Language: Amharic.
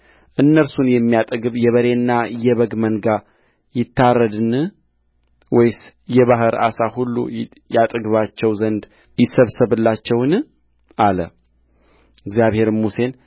እነርሱን የሚያጠግብ የበሬና የበግ መንጋ ይታረድን ወይስ የባሕርን ዓሣ ሁሉ ያጠግባቸው ዘንድ ይሰበሰብላቸዋልን አለእግዚአብሔርም ሙሴን